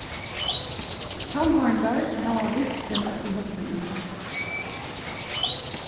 tannáringar hava virksemi í høllini